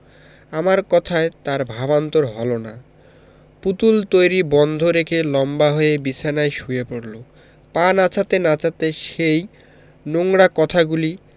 আমার কথায় তার ভাবান্তর হলো না পুতুল তৈরী বন্ধ রেখে লম্বা হয়ে বিছানায় শুয়ে পড়লো পা নাচাতে নাচাতে সেই নোংরা কথাগুলি